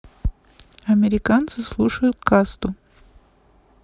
американцы слушают касту